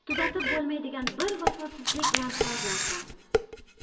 tuzatib bo'lmaydigan bir vafosizlik bilan xorlardim